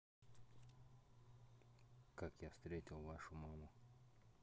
как я встретил вашу маму